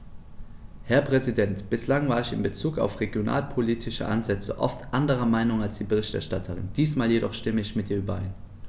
Herr Präsident, bislang war ich in Bezug auf regionalpolitische Ansätze oft anderer Meinung als die Berichterstatterin, diesmal jedoch stimme ich mit ihr überein.